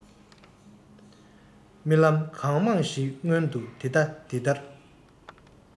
རྨི ལམ གང ཞིག མངོན དུ དེ ལྟ དེ ལྟར